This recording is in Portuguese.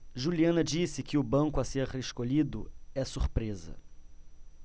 juliana disse que o banco a ser escolhido é surpresa